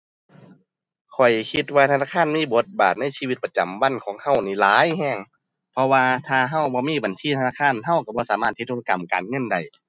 ข้อยคิดว่าธนาคารมีบทบาทในชีวิตประจำวันของเรานี่หลายเรา เพราะว่าถ้าเราบ่มีบัญชีธนาคาร เราเราบ่สามารถเฮ็ดธุรกรรมการเงินได้